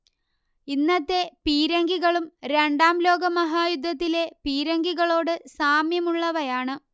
ഇന്നത്തെ പീരങ്കികളും രണ്ടാം ലോകമഹായുദ്ധത്തിലെ പീരങ്കികളോട് സാമ്യമുള്ളവയാണ്